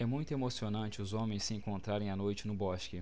é muito emocionante os homens se encontrarem à noite no bosque